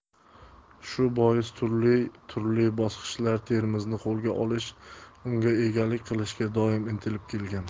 shu bois turli turli bosqinchilar termizni qo'lga olish unga egalik qilishga doimo intilib kelgan